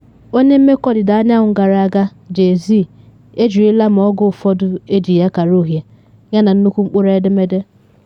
Onye mmekọ Ọdịda Anyanwụ gara aga, JAY-Z, ejirila ma oge ụfọdụ ejighi akarauhie yana nnukwu mkpụrụedemede.